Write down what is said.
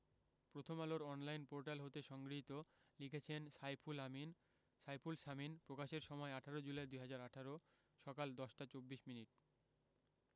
প্রথম আলোর online portal হতে সংগৃহীত লিখেছেন সাইফুল সামিন প্রকাশের সময় ১৮ জুলাই ২০১৮ সকাল ১০টা ২৪ মিনিট